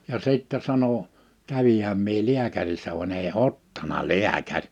ja sitten sanoi kävinhän minä lääkärissä vaan ei ottanut lääkäri